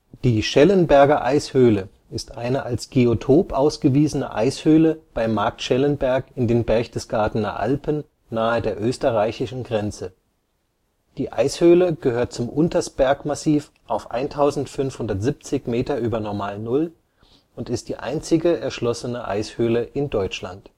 Die Schellenberger Eishöhle ist eine als Geotop ausgewiesene Eishöhle bei Marktschellenberg in den Berchtesgadener Alpen, nahe der österreichischen Grenze. Die Eishöhle gehört zum Untersbergmassiv auf 1570 Meter über Normalnull und ist die einzige erschlossene Eishöhle in Deutschland